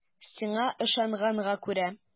Сиңа ышанганга күрә.